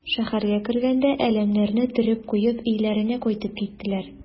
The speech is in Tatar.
Шәһәргә кергәндә әләмнәрне төреп куеп өйләренә кайтып киттеләр.